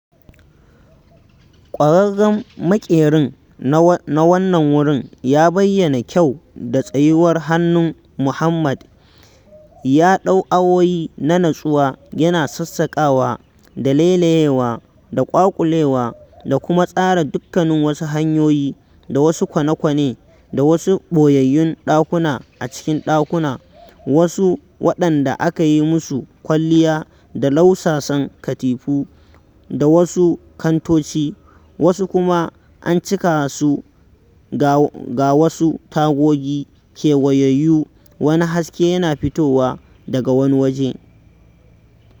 ƙwararren maƙerin na wannan wurin ya bayyana kyau da tsayuwar hannun Mohammed - ya ɗau awoyi na nutsuwa yana sassaƙawa da lailayewa da ƙwaƙulewa da kuma tsara dukkanin wasu hanyoyi da wasu kwane-kwane da wasu ɓoyayyun ɗakuna a cikin ɗakuna, wasu waɗanda aka yi musu kwalliya da lausasan katifu da wasu kantoci, wasu kuma an cika su ga wasu tagogi kewayayyu wani haske yana fitowa daga wani waje.